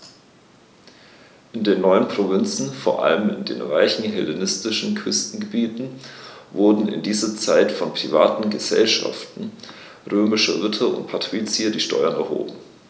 In den neuen Provinzen, vor allem in den reichen hellenistischen Küstenregionen, wurden in dieser Zeit von privaten „Gesellschaften“ römischer Ritter und Patrizier die Steuern erhoben.